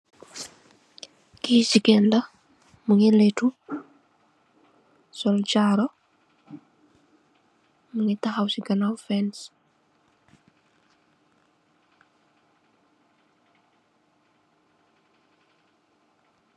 Kii jigeen la, mingi leetu, sol jaaro, mingi tahaw si gannaaw fens.